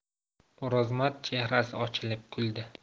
o'rozmat chehrasi ochilib kuldi